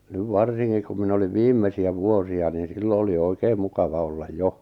nyt varsinkin kun minä olin viimeisiä vuosia niin silloin oli oikein mukava olla jo